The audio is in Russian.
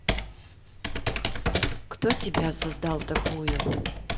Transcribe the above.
кто тебя создал такую